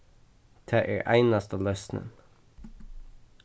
tað er einasta loysnin